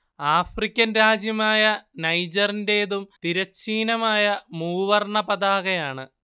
African രാജ്യമായ നൈജറിന്റേതും തിരശ്ചീനമായ മൂവർണ്ണ പതാകയാണ്